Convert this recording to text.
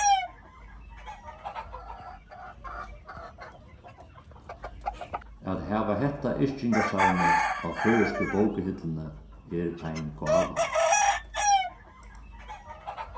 at hava hetta yrkingasavnið á føroysku bókahillini er ein gáva